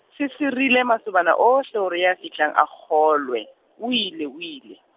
se sirile masobana ohle hore ya fihlang a kgolwe, o ile o ile.